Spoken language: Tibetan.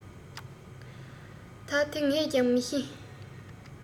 ད དེ ངས ཀྱང མི ཤེས